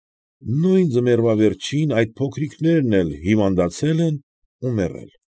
Նույն ձմեռվա վերջին այդ փոքրիկներն էլ հիվանդացել են ու մեռել։